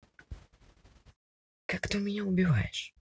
как ты меня убиваешь